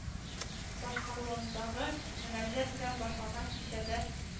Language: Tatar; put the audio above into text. Башкаруындагы мөнәҗәт белән башланган кичәдә